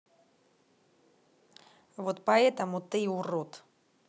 вот поэтому ты и урод